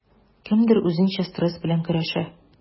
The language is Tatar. Кемдер үзенчә стресс белән көрәшә.